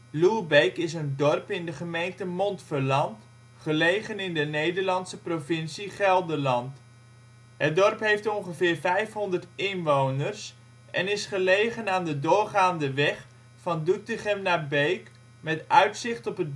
Loerbeek is een dorp in de gemeente Montferland gelegen in de Nederlandse provincie Gelderland. Het dorp heeft ongeveer 500 inwoners en is gelegen aan de doorgaande weg van Doetinchem naar Beek met uitzicht over het Bergherbos